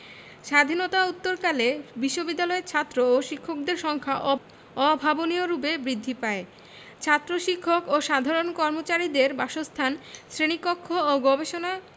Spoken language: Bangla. স্বাধীনতা উত্তরকালে বিশ্ববিদ্যালয়ের ছাত্র ও শিক্ষকদের সংখ্যা অভাবনীয়রূপে বৃদ্ধি পায় ছাত্র শিক্ষক ও সাধারণ কর্মচারীদের বাসস্থান শ্রেণীকক্ষ ও গবেষণা